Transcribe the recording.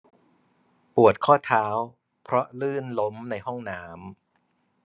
ปวดข้อเท้าเพราะลื่นล้มในห้องน้ำ